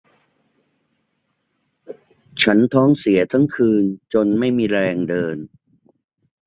ฉันท้องเสียทั้งคืนจนไม่มีแรงเดิน